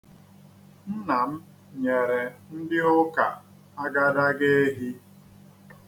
Nna m nyere ndị ụka agadaga ehi.